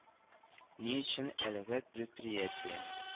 Ни өчен әлеге предприятие